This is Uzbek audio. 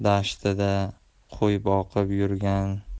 dashtida qo'y boqib yurgan